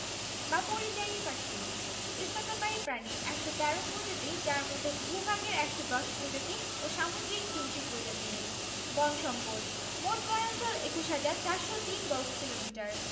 বা পরিযায়ী পাখি স্তন্যপায়ী প্রাণী ১১৩ প্রজাতির যার মধ্যে ভূ ভাগের ১১০ প্রজাতি ও সামুদ্রিক ৩ টি প্রজাতি বন সম্পদঃ মোট বনাঞ্চল ২১হাজার ৪০৩ বর্গ কিলোমিটার